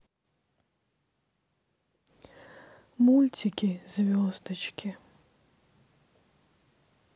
мультики звездочки